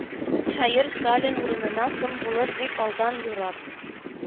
Хәер, Сталин урынына кем булыр, дип, алдан юрап